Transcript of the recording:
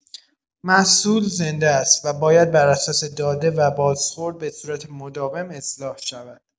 محصول زنده است و باید بر اساس داده و بازخورد، به‌صورت مداوم اصلاح شود.